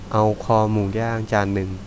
เอาคอหมูย่างจานหนึ่ง